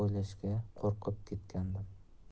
o'ylashga qo'rqib ketgandim